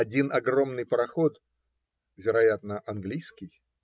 один огромный пароход ("вероятно, английский",